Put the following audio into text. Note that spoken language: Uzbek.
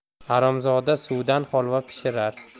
haromzoda suvdan holva pishirar